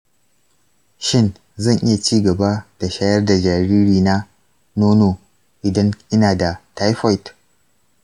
shin zan iya ci gaba da shayar da jaririna nono idan ina da taifoid?